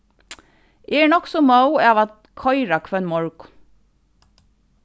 eg eri nokk so móð av at koyra hvønn morgun